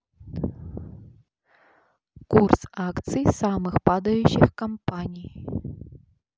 курс акций самых падающих компаний